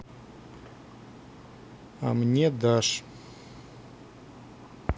а мне дашь